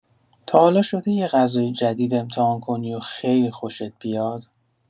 تا حالا شده یه غذای جدید امتحان کنی و خیلی خوشت بیاد؟